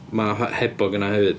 Ma' hebog yna hefyd.